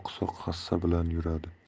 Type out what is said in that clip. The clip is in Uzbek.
oqsoq hassa bilan yuradi